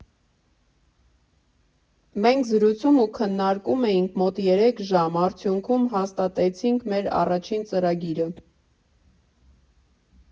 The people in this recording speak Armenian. Մենք զրուցում ու քննարկում էինք մոտ երեք ժամ, արդյունքում հաստատեցինք մեր առաջին ծրագիրը.